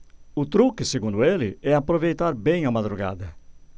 o truque segundo ele é aproveitar bem a madrugada